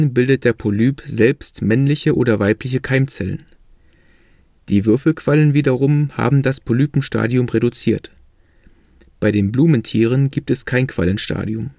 bildet der Polyp selbst männliche oder weibliche Keimzellen. Die Würfelquallen wiederum haben das Polypenstadium reduziert. Bei den Blumentieren gibt es kein Quallenstadium